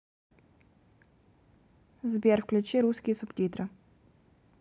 сбер включи русские субтитры